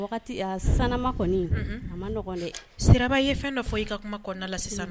Wagati a sisannama kɔni unhun a ma nɔgɔn dɛ Siraba i ye fɛn dɔ fɔ i ka kuma kɔɔna la sisannɔ